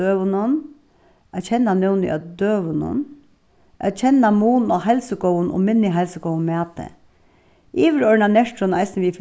døgunum at kenna nøvnini á døgunum at kenna mun á heilsugóðum og minni heilsugóðum mati yvirorðnað nertur hon eisini við